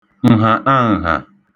ǹhàṫaǹhà